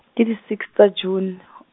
ke di six tsa June.